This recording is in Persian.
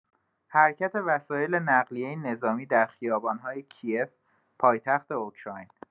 حرکت وسایل نقلیه نظامی در خیابان‌های کی‌یف، پایتخت اوکراین